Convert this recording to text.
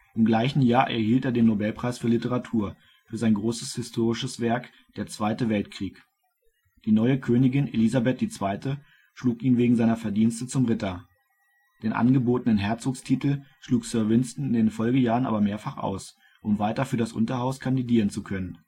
Im gleichen Jahr erhielt er den Nobelpreis für Literatur für sein großes historisches Werk Der Zweite Weltkrieg. Die neue Königin Elisabeth II. schlug ihn wegen seiner Verdienste zum Ritter. Den angebotenen Herzogstitel schlug Sir Winston in den Folgejahren aber mehrfach aus, um weiter für das Unterhaus kandidieren zu können